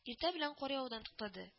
Иртә белән кар явудан туктады